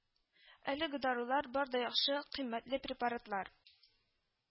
Әлеге дарулар, бар да яхшы, кыйммәтле препоратлар